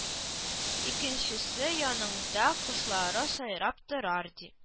Икенчесе яныңда кошлары сайрап торар ди